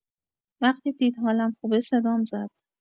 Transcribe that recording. وقتی دید حالم خوبه صدام زد.